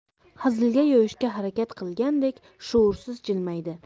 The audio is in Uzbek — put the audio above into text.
hazilga yo'yishga harakat qilgandek shuursiz jilmaydi